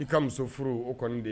I ka muso furu o kɔni de ye